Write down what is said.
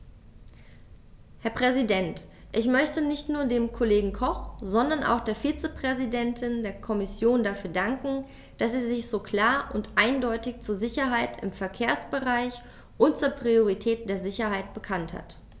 Herr Präsident, ich möchte nicht nur dem Kollegen Koch, sondern auch der Vizepräsidentin der Kommission dafür danken, dass sie sich so klar und eindeutig zur Sicherheit im Verkehrsbereich und zur Priorität der Sicherheit bekannt hat.